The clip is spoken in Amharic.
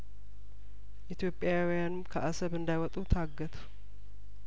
ኢትዮጵያውያኑ ከአሰብ እንዳይወጡ ታገቱ